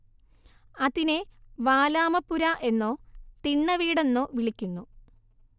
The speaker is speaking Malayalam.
അതിനെ വാലാമപ്പുര എന്നോ തിണ്ണവീടെന്നോ വിളിക്കുന്നു